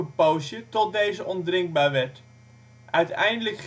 poosje, tot deze ondrinkbaar werd. Uiteindelijk